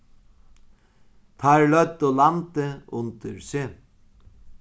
teir løgdu landið undir seg